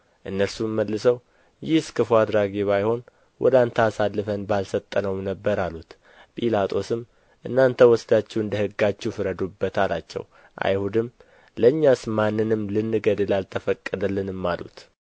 እነርሱም መልሰው ይህስ ክፉ አድራጊ ባይሆን ወደ አንተ አሳልፈን ባልሰጠነውም ነበር አሉት ጲላጦስም እናንተ ወስዳችሁ እንደ ሕጋችሁ ፍረዱበት አላቸው አይሁድም ለእኛስ ማንንም ልንገድል አልተፈቀደልንም አሉት